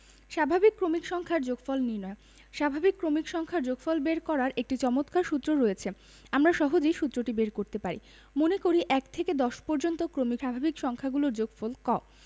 স্বাভাবিক ক্রমিক সংখ্যার যোগফল নির্ণয় স্বাভাবিক ক্রমিক সংখ্যার যোগফল বের করার একটি চমৎকার সূত্র রয়েছে আমরা সহজেই সুত্রটি বের করতে পারি মনে করি ১ থেকে ১০ পর্যন্ত ক্রমিক স্বাভাবিক সংখ্যাগুলোর যোগফল ক